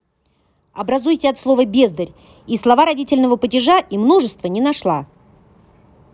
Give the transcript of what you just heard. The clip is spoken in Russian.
образуйте от слова бездарь и слова родительного падежа и множество не нашла